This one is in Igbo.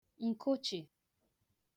ǹkụchị̀